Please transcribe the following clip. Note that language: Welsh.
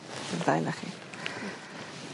i'r ddau o'nach chi. Hmm.